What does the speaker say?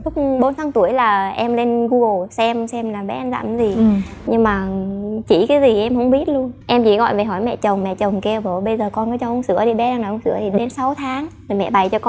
tức bốn tháng tuổi là em lên gu gồ xem xem là bé ăn dặm cái gì nhưng mà chỉ cái gì em không biết luôn em chỉ gọi về hỏi mẹ chồng mẹ chồng kêu bộ bây giờ con có cho uống sữa đi bé đang nằm uống sữa thì đến sáu tháng thì mẹ bày cho con